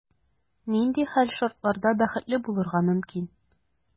Нинди хәл-шартларда бәхетле булырга мөмкин?